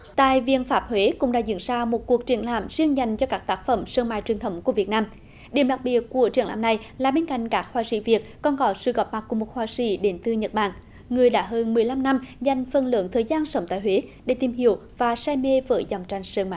tại viện pháp huế cũng đã diễn ra một cuộc triển lãm riêng dành cho các tác phẩm sơn mài truyền thống của việt nam điểm đặc biệt của triển lãm này là bên cạnh các họa sĩ việt còn có sự góp mặt của một họa sĩ đến từ nhật bản người đã hơn mười lăm năm dành phần lớn thời gian sống tại huế để tìm hiểu và say mê với dòng tranh sơn